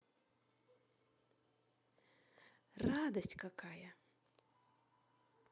радость какая